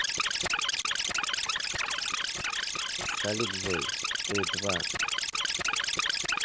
салют джой ты два